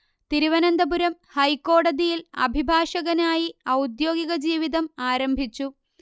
തിരുവനന്തപുരം ഹൈക്കോടതിയിൽ അഭിഭാഷകനായി ഔദ്യോഗിക ജീവിതം ആരംഭിച്ചു